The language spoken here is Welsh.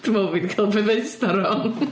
Dwi'n meddwl bod fi 'di cael Bethesda wrong.